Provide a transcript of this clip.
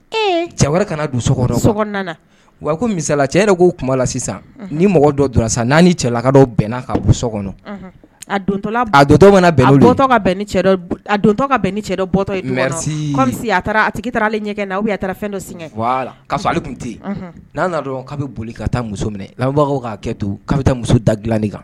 Cɛ wɛrɛ kana don so so wa ko misala cɛ yɛrɛ de k'o kuma la sisan ni mɔgɔ dɔ donna sisan n'a ni cɛlalakadɔ bɛnna ka bɔ so kɔnɔ a dontɔ a don dɔ a bɛn ni cɛ dɔ bɔtɔ mɛ a a tigi ale ɲɛgɛn na a bɛ a taara fɛn dɔ s ka ale tun tɛ n'a nana dɔrɔn k'a bɛ boli ka taa muso minɛ lamɔbagawkaw' kɛ to k'a bɛ muso da dilani kan